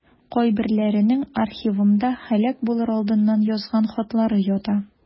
Кайберләренең архивымда һәлак булыр алдыннан язган хатлары ята.